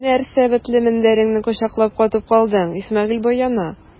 Нәрсә бетле мендәреңне кочаклап катып калдың, Исмәгыйль бай яна!